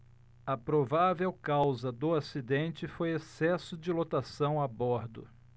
a provável causa do acidente foi excesso de lotação a bordo